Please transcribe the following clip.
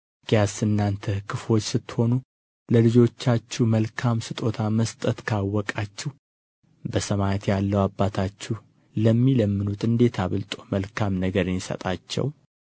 እንኪያስ እናንተ ክፉዎች ስትሆኑ ለልጆቻችሁ መልካም ስጦታ መስጠትን ካወቃችሁ በሰማያት ያለው አባታችሁ ለሚለምኑት እንዴት አብልጦ መልካም ነገርን ይሰጣቸው